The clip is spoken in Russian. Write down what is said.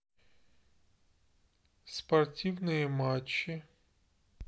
спортивные матчи